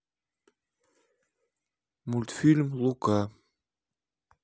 мультфильм лука